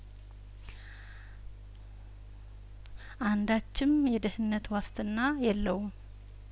አንዳችም የደህንነት ዋስትና የለውም